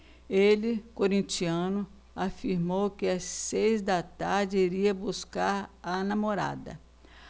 ele corintiano afirmou que às seis da tarde iria buscar a namorada